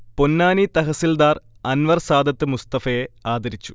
പൊന്നാനി തഹസിൽദാർ അൻവർ സാദത്ത് മുസ്തഫയെ ആദരിച്ചു